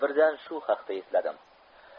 birdan shu haqda esladim